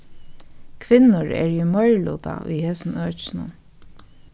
kvinnur eru í meiriluta í hesum økinum